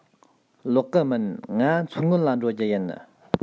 ལོག གི མིན ང མཚོ སྔོན ལ འགྲོ རྒྱུ ཡིན